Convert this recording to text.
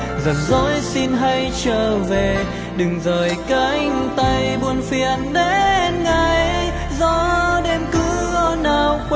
giận dỗi xin hãy trở về đừng rời cánh tay buồn phiền đến ngay gió đêm cứ ồn ào